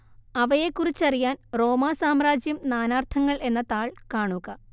അവയെക്കുറിച്ചറിയാൻ റോമാ സാമ്രാജ്യം നാനാർത്ഥങ്ങൾ എന്ന താൾ കാണുക